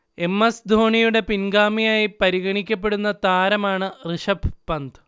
M. S. ധോണിയുടെ പിൻഗാമിയായി പരിഗണിക്കപ്പെടുന്ന താരമാണ് ഋഷഭ് പന്ത്